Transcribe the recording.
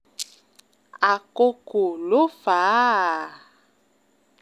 Àkókò ló fà á